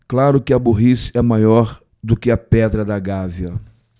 claro que a burrice é maior do que a pedra da gávea